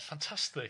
Ffantastig.